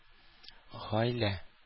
Гаилә